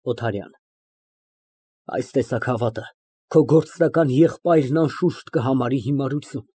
ՕԹԱՐՅԱՆ ֊ Այդ տեսակ հավատը քո գործնական եղբայրն անշուշտ կհամարի հիմարություն։